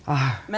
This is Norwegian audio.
å.